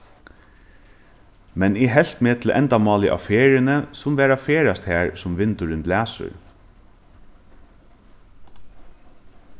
men eg helt meg til endamálið á ferðini sum var at ferðast har sum vindurin blæsur